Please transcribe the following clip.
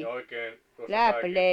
ja oikea tuosta taikina